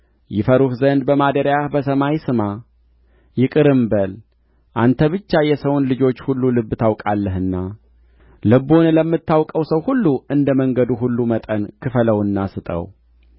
ይፈሩህ ዘንድ በማደሪያህ በሰማይ ስማ ይቅርም በል አንተ ብቻ የሰውን ልጆች ሁሉ ልብ ታውቃለህና ልቡን ለምታውቀው ሰው ሁሉ እንደ መንገዱ ሁሉ መጠን ክፈለውና ስጠው